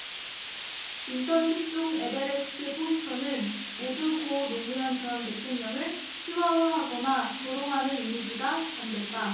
인턴 특종 에베레스트 포스터는 모두 고 노무현 전 대통령을 희화화하거나 조롱하는 이미지가 담겼다